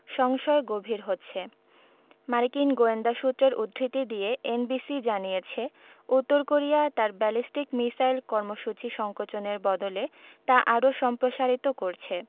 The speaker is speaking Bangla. সংশয় গভীর হচ্ছে মার্কিন গোয়েন্দা সূত্রের উদ্ধৃতি দিয়ে এনবিসি জানিয়েছে উত্তর কোরিয়া তার ব্যালিস্টিক মিসাইল কর্মসূচি সংকোচনের বদলে তা আরও সম্প্রসারিত করছে